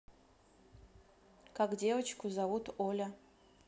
как девочку зовут оля